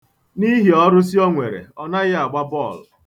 N'ihi ọrụsị o nwere, ọ naghị agba bọọlụ.